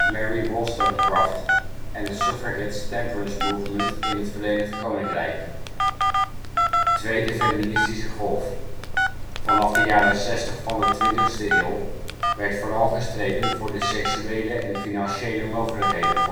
Mary Wollstonecraft en de suffragettes temperance movement in het Verenigd Koninkrijk. Tweede feministische golf: Vanaf de jaren zestig van de 20e eeuw werd vooral gestreden voor de seksuele en financiële mogelijkheden